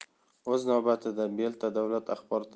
o'z navbatida belta davlat axborot